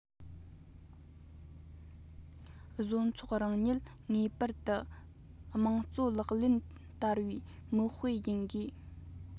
བཟོ ཚོགས རང ཉིད ངེས པར དུ དམངས གཙོ ལག ལེན བསྟར བའི མིག དཔེ ཡིན དགོས